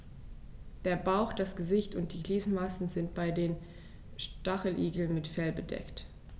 Der Bauch, das Gesicht und die Gliedmaßen sind bei den Stacheligeln mit Fell bedeckt.